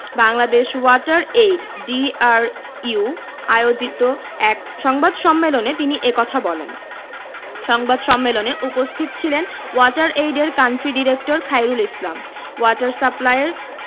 Bangladesh Water Aid DRU আয়োজিত এক সংবাদ সম্মেলন তিনি এ কথা বলেন সংবাদ সম্মেলনে উপস্থিত ছিলেন ওয়াটার এইডের country director Khairul Islam water সাপ্লাইর